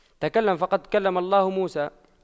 تكلم فقد كلم الله موسى